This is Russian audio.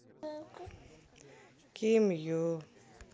ким ю